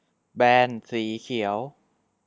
แบนสีเขียว